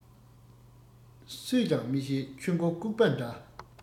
སུས ཀྱང མི ཤེས ཆུ མགོ ལྐུགས པ འདྲ